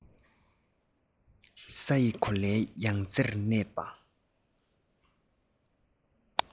ས ཡི གོ ལའི ཡང རྩེར གནས པ